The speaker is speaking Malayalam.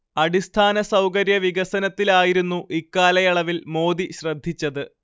അടിസ്ഥാന സൗകര്യ വികസനത്തിലായിരുന്നു ഇക്കാലയളവിൽ മോദി ശ്രദ്ധിച്ചത്